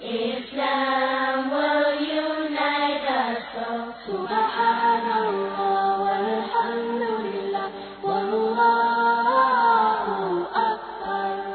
Wa y'inɛ laban